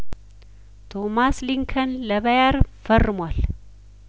ቶማስ ሊንከን ለባየር ፈርሟል